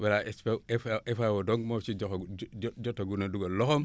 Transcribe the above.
voilà FAO dong moo si joxagum jo jo jotagum a dugal loxoom